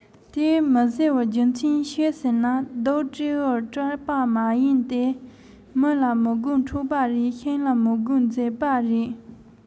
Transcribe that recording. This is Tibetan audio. དེ མི ཟེར བའི རྒྱུ མཚན ཤོད ཟེར ན སྡུག སྤྲེའུར སྐྲག པ མ ཡིན ཏེ མི ལ མི དགོས འཁྲུག པ རེད ཤིང ལ མི དགོས འཛེར པ རེད